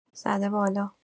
زده بالا